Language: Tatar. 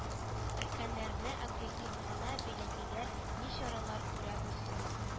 Өлкәннәрнең агрессивлыгына бәләкәйләр ни чаралар күрә белсен